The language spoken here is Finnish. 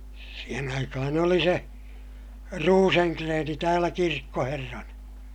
siihen aikaan oli se Rosengren täällä kirkkoherrana